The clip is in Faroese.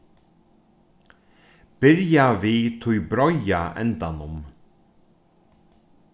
byrja við tí breiða endanum